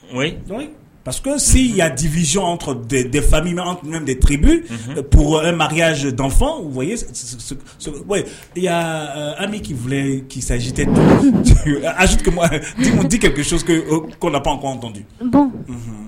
Pariseke se yadi vzyɔn defami an kun debe p mayaz dɔn an kifi kiji tɛti kɛ kɔnp kɔntɔn